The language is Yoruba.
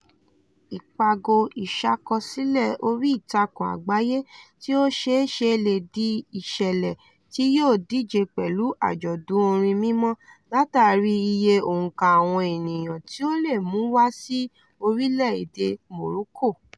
Ìpàgọ́ Ìṣàkọsílẹ̀ orí Ìtàkùn Àgbáyé tí ó ṣeéṣe lè di ìṣẹ̀lẹ̀ tí yóò díje pẹ̀lú Àjọ̀dún Orin Mímọ́ látàrí iye òǹkà àwọn ènìyàn tí ó le mú wá sí orílẹ̀ èdè Morocco.